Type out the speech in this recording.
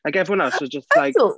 Like everyone else was just like... Ydw.